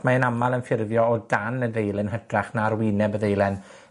mae e'n amal yn ffurfio o dan y ddeilyn hytrach na arwyneb y ddeilen,